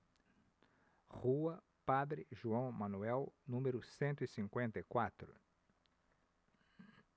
rua padre joão manuel número cento e cinquenta e quatro